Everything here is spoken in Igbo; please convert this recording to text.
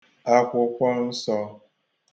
akwụkwọ nsọ̄